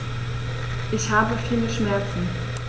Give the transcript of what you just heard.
Ich habe viele Schmerzen.